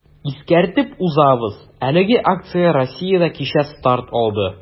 Искәртеп узабыз, әлеге акция Россиядә кичә старт алды.